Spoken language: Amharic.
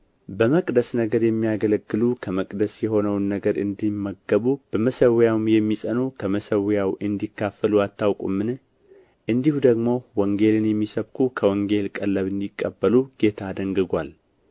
በመቅደስ ነገር የሚያገለግሉ ከመቅደስ የሆነውን ነገርን እንዲመገቡ በመሠዊያውም የሚጸኑ ከመሠዊያው እንዲካፈሉ አታውቁምን እንዲሁ ደግሞ ወንጌልን የሚሰብኩ ከወንጌል ቀለብ እንዲቀበሉ ጌታ ደንግጎአል